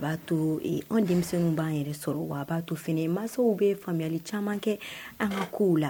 B'a to an denmisɛnww b'an yɛrɛ sɔrɔ wa a b'a to fini mansaw bɛ faamuyali caman kɛ an ka kow la